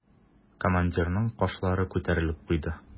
Командирның кашлары күтәрелеп куйды.